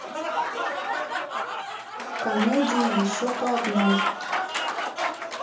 комедии еще по одной